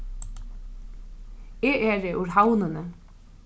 eg eri úr havnini